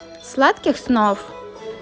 сладких снов